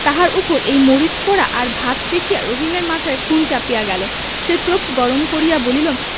তাহার উপর এই মরিচ পােড়া আর ভাত দেখিয়া রহিমের মাথায় খুন চাপিয়া গেল সে চোখ গরম করিয়া বলিল